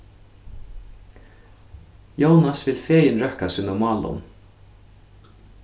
jónas vil fegin røkka sínum málum